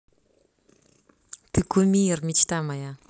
ты кумир мечта моя